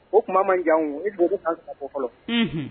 O tuma man jan e b' kan fɔlɔ